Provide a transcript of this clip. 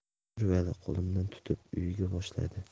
yur vali qo'limdan tutib uyiga boshladi